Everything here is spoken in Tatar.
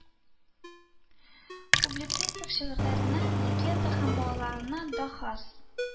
Публицистик шигырьләренә, легенда һәм балладаларына да хас